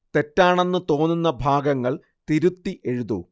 തെറ്റാണെന്ന് തോന്നുന്ന ഭാഗങ്ങൾ തിരുത്തി എഴുതൂ